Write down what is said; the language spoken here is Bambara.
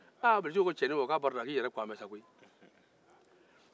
bilisi ko cɛnin o bɛɛ n'a ta i yɛrɛ kuwalen bɛ sa koyi